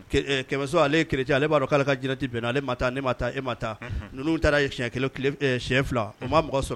Kɛmɛso ale kelencɛ ale b'a dɔn'ale ka jinɛti bɛn ale ma taa e ma taa ninnu taarayɛnɲɛ siyɛn fila u ma mɔgɔ sɔrɔ